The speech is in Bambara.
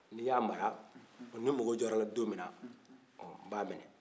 n'i y'a mara ni n mago jɔra a la don min na ɔ n b'a minɛ